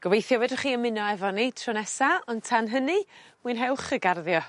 Gobeithio fedrwch chi ymuno efo ni tro nesa ond tan hynny mwynhewch y garddio.